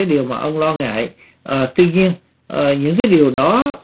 điều mà ông lo ngại ờ tuy nhiên ờ những cái điều đó